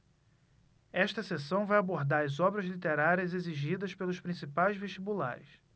esta seção vai abordar as obras literárias exigidas pelos principais vestibulares